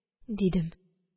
Дидем